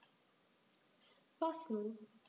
Was nun?